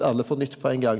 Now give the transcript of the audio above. alle får nytt på ein gong.